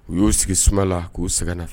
U y'u sigi suma la k'u sɛgɛn na